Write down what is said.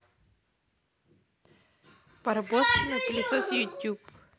барбоскины пылесос ютюб